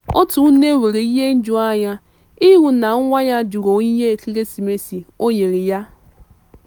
Otu nne nwere ihe ijuanya ị hụ na nwa ya jụrụ onyinye ekeresimesi o nyere ya.